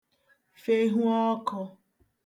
fehu ọkụ̄